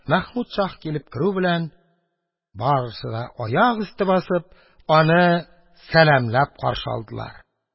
Мәхмүд шаһ килеп керү белән, барысы да, аяк өсте басып, аны сәламләп каршы алдылар.